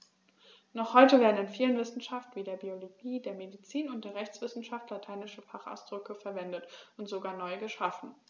Noch heute werden in vielen Wissenschaften wie der Biologie, der Medizin und der Rechtswissenschaft lateinische Fachausdrücke verwendet und sogar neu geschaffen.